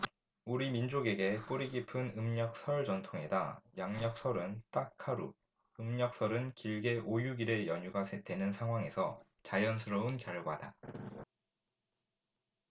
우리 민족에게 뿌리깊은 음력 설 전통에다 양력 설은 딱 하루 음력 설은 길게 오 육 일의 연휴가 되는 상황에서 자연스러운 결과다